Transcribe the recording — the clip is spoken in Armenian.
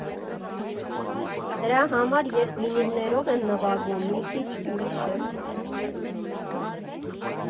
Դրա համար, երբ վինիլներով են նվագում, մի քիչ ուրիշ է։